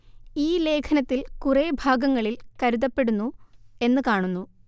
ഈ ലേഖനത്തിൽ കുറെ ഭാഗങ്ങളിൽ കരുതപ്പെടുന്നു എന്ന് കാണുന്നു